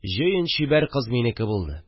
Җыен чибәр кыз минеке булды